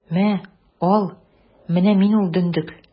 Мә, ал, менә мин ул дөндек!